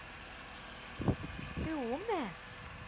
ты умная